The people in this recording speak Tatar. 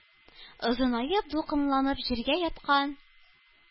Озынаеп, дулкынланып, җиргә яткан.